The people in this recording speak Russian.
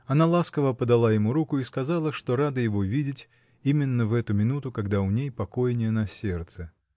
Она ласково подала ему руку и сказала, что рада его видеть именно в эту минуту, когда у ней покойнее на сердце.